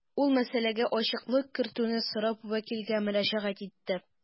Ул мәсьәләгә ачыклык кертүне сорап вәкилгә мөрәҗәгать итте.